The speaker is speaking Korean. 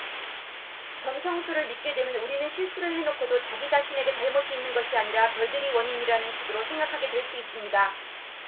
점성술을 믿게 되면 우리는 실수를 해 놓고도 자기 자신에게 잘못이 있는 것이 아니라 별들이 원인이라는 식으로 생각하게 될 수 있습니다